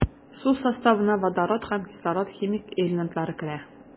Су составына водород һәм кислород химик элементлары керә.